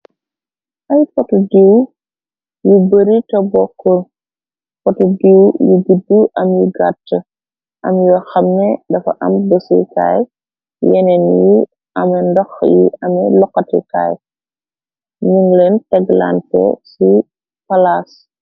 Ay poti diiw yi bari te bokku , pot diiw yi guddu ammi yu gàtta, am yoo xamne dafa am bësikaay , yeneen yi ame ndox yi ame loxatukaay , nu leen teg lante ci palaas.